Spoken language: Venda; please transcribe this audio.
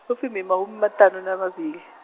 hupfi mahumimaṱanu na mavhili.